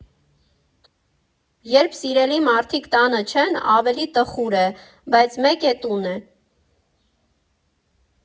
Երբ սիրելի մարդիկ տանը չեն, ավելի տխուր է, բայց մեկ է՝ տուն է։